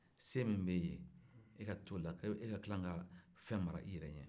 se min b'e ye e ka t'o la e ka tila ka fɛn mara i yɛrɛ ɲɛ